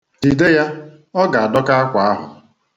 Jide ya, ọ ga-adọka akwa ahụ.